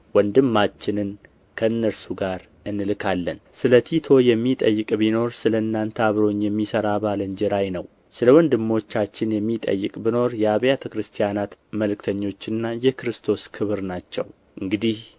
ወንድማችንን ከእነርሱ ጋር እንልካለን ስለ ቲቶ የሚጠይቅ ቢኖር ስለ እናንተ አብሮኝ የሚሠራ ባልንጀራዬ ነው ስለ ወንድሞቻችን የሚጠይቅ ቢኖርም የአብያተ ክርስቲያናት መልእክተኞችና የክርስቶስ ክብር ናቸው እንግዲህ